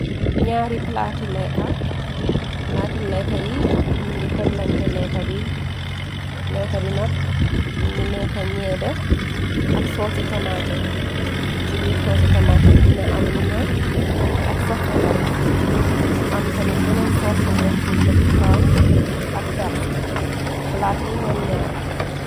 Ñaari plaati leeka, plaati leeka yi ñu ngi teklante leeka bi, leeka bi nak mu ngi neka ñeebe ak soosi tamate, ci biir soos ci tamate bi dina am liñoŋ ak safsafal, mu am tamit beneen soos bu weex buñ tek ci kawam ak persi, plaat yi ñoom ñaar la.